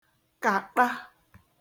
-kàṭa